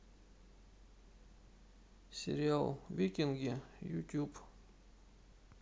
сериал викинги ютуб